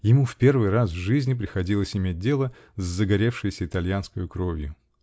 Ему в первый раз в жизни приходилось иметь дело с загоревшейся итальянскою кровью.